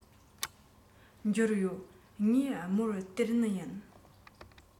འབྱོར ཡོད ངས མོར སྟེར ནི ཡིན